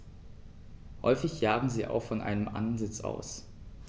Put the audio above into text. Häufig jagen sie auch von einem Ansitz aus.